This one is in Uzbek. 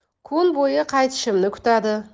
kun bo'yi qaytishimni kutadi